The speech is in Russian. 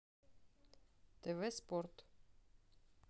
тв спорт